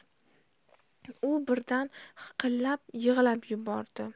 u birdan hiqillab yig'lab yubordi